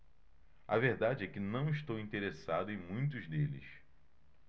a verdade é que não estou interessado em muitos deles